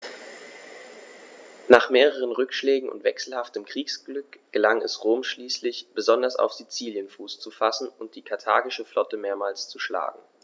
Nach mehreren Rückschlägen und wechselhaftem Kriegsglück gelang es Rom schließlich, besonders auf Sizilien Fuß zu fassen und die karthagische Flotte mehrmals zu schlagen.